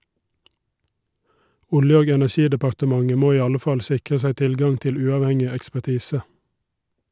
Olje- og energidepartementet må i alle fall sikre seg tilgang til uavhengig ekspertise.